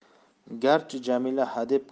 garchi jamila hadeb qiqir